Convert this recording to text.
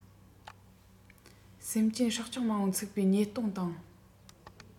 སེམས ཅན སྲོག ཆགས མང པོ འཚིགས པའི ཉེས ལྟུང དང